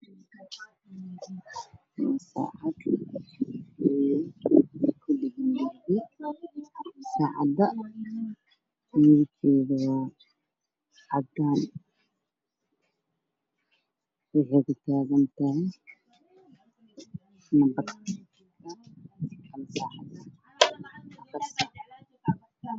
Beesha waxaa yaalla saacad saacadda midabkeeda waa caddaan waxay ku taagan tahay afar saac